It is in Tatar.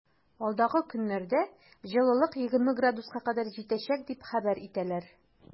Алдагы көннәрдә җылылык 20 градуска кадәр җитәчәк дип хәбәр итәләр.